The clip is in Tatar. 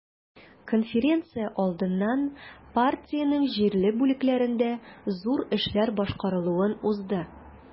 Конференция алдыннан партиянең җирле бүлекләрендә зур эшләр башкарылуын узды.